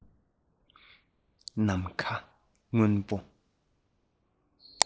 ནམ མཁའ སྔོན པོ